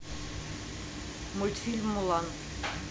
мультфильм мулан